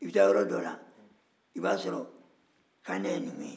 i bɛ taa yɔrɔ dɔw la i b'a sɔrɔ kanɛ ye numu ye